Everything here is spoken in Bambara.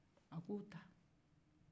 a k'o ta